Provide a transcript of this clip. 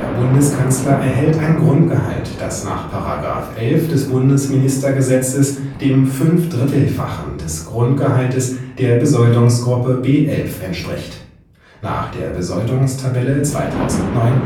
Bundeskanzler erhält ein Grundgehalt, das nach § 11 des Bundesministergesetzes dem Fünfdrittelfachen des Grundgehalts der Besoldungsgruppe B 11 entspricht. Nach der Besoldungstabelle 2009